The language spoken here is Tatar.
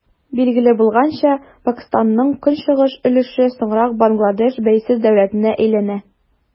Билгеле булганча, Пакыстанның көнчыгыш өлеше соңрак Бангладеш бәйсез дәүләтенә әйләнә.